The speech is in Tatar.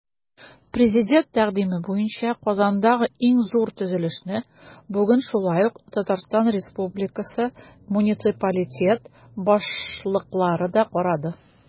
Президент тәкъдиме буенча Казандагы иң зур төзелешне бүген шулай ук ТР муниципалитет башлыклары да карады.